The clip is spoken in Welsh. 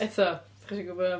Eto, dach chi isio gwbod...